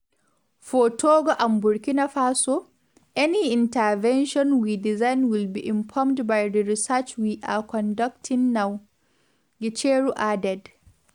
“For Togo and Burkina Faso, any intervention we design will be informed by the research we are conducting now,” Gicheru added.